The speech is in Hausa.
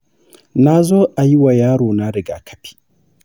nazo ayi wa yaro na rigakafi.